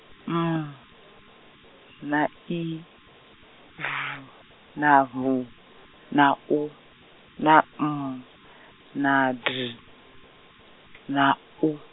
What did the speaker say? M, na I, F na H, na U, na M, na D, na U.